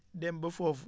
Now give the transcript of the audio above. dem ba foofu